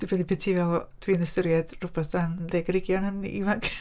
Dibynnu beth ti'n feddwl, dwi'n ystyried rhywbeth dan ddeg ar hugain yn ifanc.